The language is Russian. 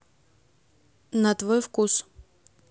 на твой вкус